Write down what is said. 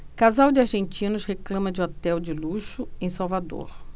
casal de argentinos reclama de hotel de luxo em salvador